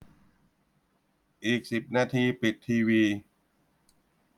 อีกสิบนาทีปิดทีวี